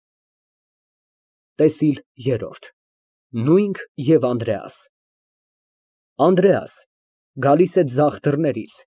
ՏԵՍԻԼ ԵՐՐՈՐԴ ՆՈՒՅՆՔ ԵՎ ԱՆԴՐԵԱՍ ԱՆԴՐԵԱՍ ֊ (Գալիս է ձախ դռնից։